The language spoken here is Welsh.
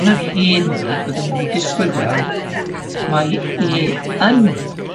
Yn yr hen fyd, fyddan ni wedi disgwyl gweld, mae e yn